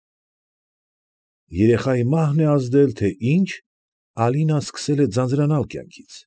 Երեխայի մահն է, ազդել, թե ինչ, Ալինան սկսել է ձանձրանալ կյանքից։